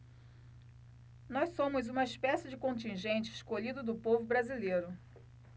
nós somos uma espécie de contingente escolhido do povo brasileiro